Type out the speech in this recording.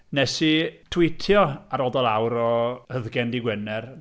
Wnes i twîtio ar ôl dod lawr o Hyddgen dydd Gwener